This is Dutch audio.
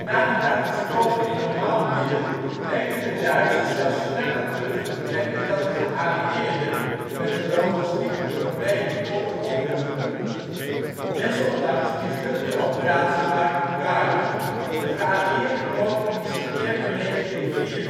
Omaha beach in Normandië, juni 1944 Na de catastrofe in Normandië leken de Duitsers zelfs sneller terug te trekken dan de geallieerden met hun logistieke problemen konden oprukken. Desondanks mislukte Operatie Market Garden, een geallieerde poging in september 1944